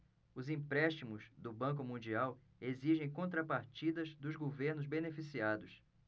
os empréstimos do banco mundial exigem contrapartidas dos governos beneficiados